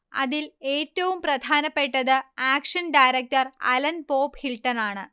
അതിൽ ഏറ്റവും പ്രധാനപ്പെട്ടത് ആക്ഷൻ ഡയറക്ടർ അലൻ പോപ്ഹിൽട്ടണാണ്